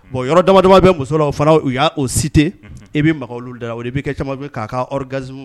Bon yɔrɔ damadama bɛ muso la fana u y'a u citer i bɛ maga olu dɔ la o de bɛ ka caman bɛ k'a ka orgasme